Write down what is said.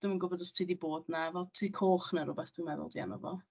Dwi'm yn gwybod os ti 'di bod 'na. Fel Tŷ Coch neu rywbeth dwi'n meddwl 'di enw fo.